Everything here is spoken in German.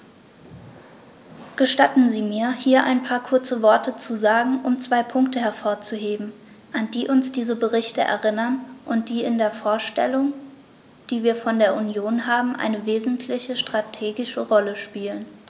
Gestatten Sie mir, hier ein paar kurze Worte zu sagen, um zwei Punkte hervorzuheben, an die uns diese Berichte erinnern und die in der Vorstellung, die wir von der Union haben, eine wesentliche strategische Rolle spielen.